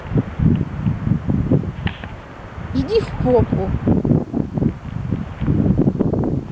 иди в попу